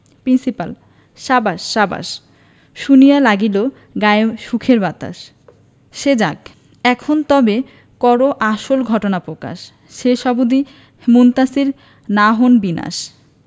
principal সাবাস সাবাস শুনিয়া লাগিল গায়ে সুখের বাতাস সে যাক এখন তবে করো আসল ঘটনা প্রকাশ শেষ অবধি মুনতাসীর না হন বিনাশ